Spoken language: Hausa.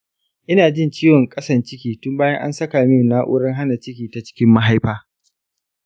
ina jin ciwon ƙasan ciki tun bayan an saka min na’urar hana ciki ta cikin mahaifa.